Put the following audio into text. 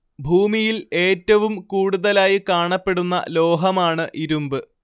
ഭൂമിയിൽ ഏറ്റവും കൂടുതലായി കാണപ്പെടുന്ന ലോഹമാണ് ഇരുമ്പ്